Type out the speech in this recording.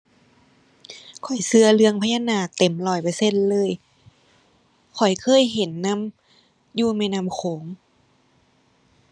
ข้อยเชื่อเรื่องพญานาคเต็มร้อยเปอร์เซ็นต์เลย ข้อยเคยเห็นนำ อยู่แม่น้ำโขง